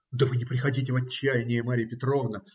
- Да вы не приходите в отчаяние, Марья Петровна.